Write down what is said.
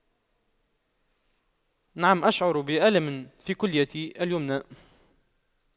نعم أشعر بألم في كليتي اليمنى